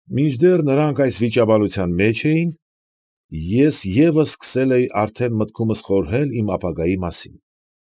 Մինչդեռ նրանք այս վիճաբանության մեջ էին, ես ևս սկսել էի արդեն մտքումս խորհել իմ ապագայի մասին։